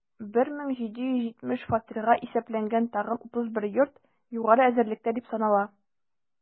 1770 фатирга исәпләнгән тагын 31 йорт югары әзерлектә дип санала.